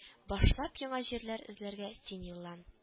Башлап яңа җирләр эзләргә син юллан